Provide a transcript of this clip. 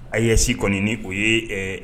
Ayi yesi kɔni o ye